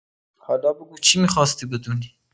حالا بگو چی می‌خواستی بدونی؟